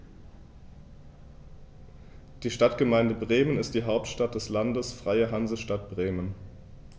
Die Stadtgemeinde Bremen ist die Hauptstadt des Landes Freie Hansestadt Bremen.